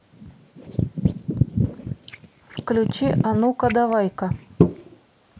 включи а ну ка давай ка